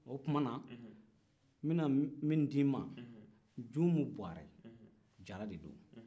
o tumana n bɛna min d'i ma junmu buwarɛ jara de don